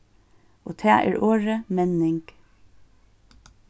og tað er orðið menning